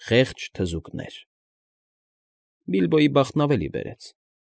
Խե՜ղճ թզուկներ… Բիլբոյի բախտն ավելի բերեց։